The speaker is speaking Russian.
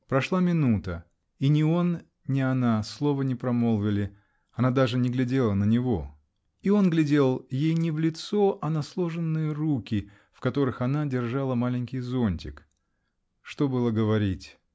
Прошла минута -- и ни он, ни она слова не промолвили она даже не глядела на него -- и он глядел ей не в лицо, а на сложенные руки, в которых она держала маленький зонтик. Что было говорить?